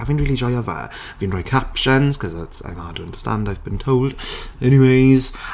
a fi'n really joio fe. Fi'n rhoi captions, cause it's I'm hard to understand, I've been told. Anyways